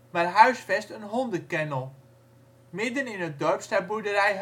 maar huisvest een hondenkennel. Midden in het dorp staat boerderij